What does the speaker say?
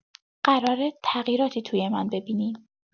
قراره تغییراتی توی من ببینین.